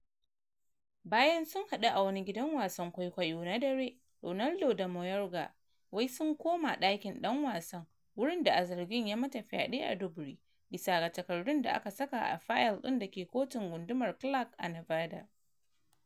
Bayan sun hadu a wani gidan wasan kwaikwayo na dare, Ronaldo da Mayorga wai sun koma dakin dan wasan, wurin da a zargin ya mata fyaɗe a duburi, bisa ga takardun da aka saka a fayil ɗin dake Kotun Gundumar Clark a Nevada.